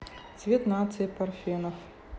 цвет нации парфенов